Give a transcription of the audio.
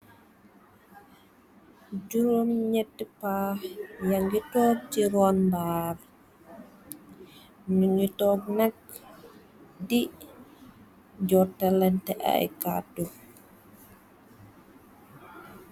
Jurom ñetti pa ñugi ci ron mbarr nu ñgi nak di jotalanteh ay kadu.